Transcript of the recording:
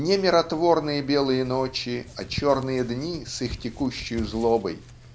не миротворные белые ночи, а черные дни с их текущею злобой.